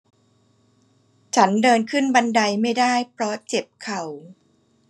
ฉันเดินขึ้นบันไดไม่ได้เพราะเจ็บเข่า